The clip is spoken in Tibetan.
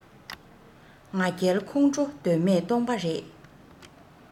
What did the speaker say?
ང རྒྱལ ཁོང ཁྲོ དོན མེད སྟོང པ རེད